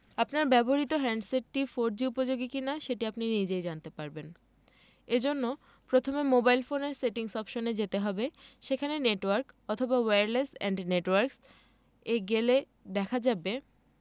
আপনার ব্যবহৃত হ্যান্ডসেটটি ফোরজি উপযোগী কিনা সেটি আপনি নিজেই জানতে পারবেন এ জন্য প্রথমে মোবাইল ফোনের সেটিংস অপশনে যেতে হবে সেখানে নেটওয়ার্ক অথবা ওয়্যারলেস অ্যান্ড নেটওয়ার্কস এ গেলে দেখা যাবে